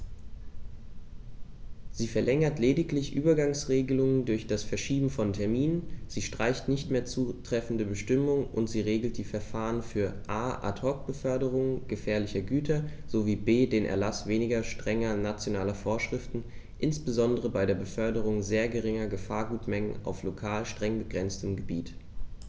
Sie verlängert lediglich Übergangsregeln durch das Verschieben von Terminen, sie streicht nicht mehr zutreffende Bestimmungen, und sie regelt die Verfahren für a) Ad hoc-Beförderungen gefährlicher Güter sowie b) den Erlaß weniger strenger nationaler Vorschriften, insbesondere bei der Beförderung sehr geringer Gefahrgutmengen auf lokal streng begrenzten Gebieten.